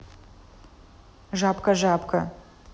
жабка жабка